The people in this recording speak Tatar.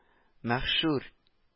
Мәһшүр